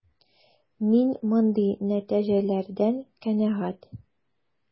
Мин мондый нәтиҗәләрдән канәгать.